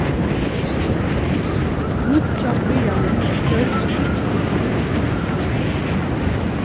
nýggja byrjanin gjørdist ikki lukkulig